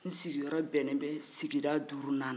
n sigi yɔrɔ bɛnnen bɛ sigida duuruna ma